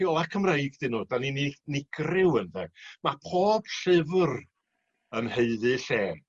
rheola Cymreig 'di n'w 'dan ni'n unigryw ynde. Ma' pob llyfr yn haeddu lle.